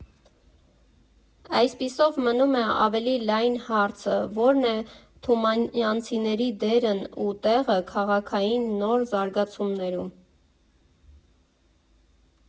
Այսպիսով, մնում է ավելի լայն հարցը՝ ո՞րն է թումանյանցիների դերն ու տեղը քաղաքային նոր զարգացումներում։